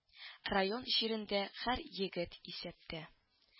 Район җирендә һәр егет исәптә